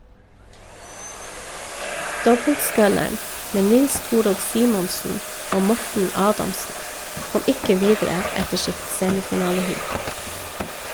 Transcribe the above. Dobbeltsculleren med Nils-Torolv Simonsen og Morten Adamsen kom ikke videre etter sitt semifinaleheat.